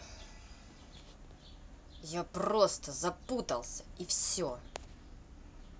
я просто запутался и все